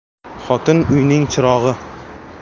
xotin uyning chirog'i